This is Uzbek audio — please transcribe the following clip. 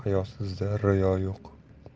hayosizda riyo yo'q